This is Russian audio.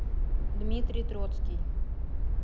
дмитрий троцкий